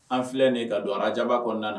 An filɛ nin ka don ara ja kɔnɔna na